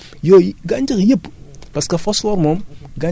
mais gerte daal moom moo ko gën a ci ci la gën a aay mais